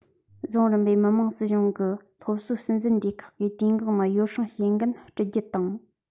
རྫོང རིམ པའི མི དམངས སྲིད གཞུང གི སློབ གསོའི སྲིད འཛིན སྡེ ཁག གིས དུས བཀག ནང ཡོ བསྲང བྱེད འགན དཀྲི རྒྱུ དང